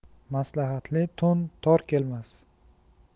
maslahatli to'n tor kelmas